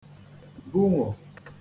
gụnwò